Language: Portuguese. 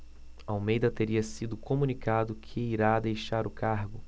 almeida teria sido comunicado que irá deixar o cargo